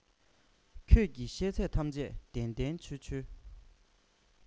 ཁྱོད ཀྱིས བཤད ཚད ཐམས ཅད བདེན བདེན འཆོལ འཆོལ